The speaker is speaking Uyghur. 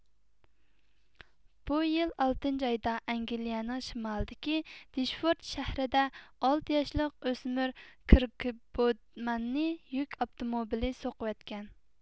بۇ يىل ئالتىنچى ئايدا ئەنگىلىيىنىڭ شىمالىدىكى دىشفورت شەھىرىدە ئالتە ياشلىق ئۆسمۈر كىركبودماننى يۈك ئاپتوموبىلى سوقۇۋەتكەن